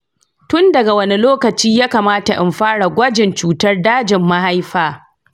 tun daga wane lokaci ya kamata in fara gwajin cutar dajin mahaifa?